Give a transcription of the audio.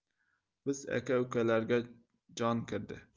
biz aka ukalarga jon kirdi